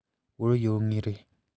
བོར ཡོད ངེས རེད